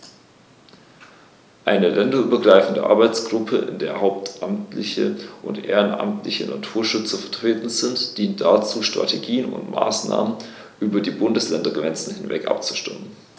Eine länderübergreifende Arbeitsgruppe, in der hauptamtliche und ehrenamtliche Naturschützer vertreten sind, dient dazu, Strategien und Maßnahmen über die Bundesländergrenzen hinweg abzustimmen.